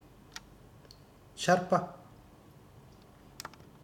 ཆར པ